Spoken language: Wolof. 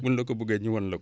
bun la ko buggee ñu wan la ko